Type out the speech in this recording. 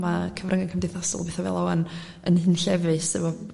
ma' cyfrynga cymdeithasol peitha fela wan yn hunllefus efo